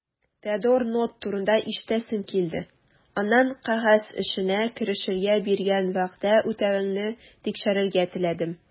Теодор Нотт турында ишетәсем килде, аннан кәгазь эшенә керешергә биргән вәгъдә үтәвеңне тикшерергә теләдем.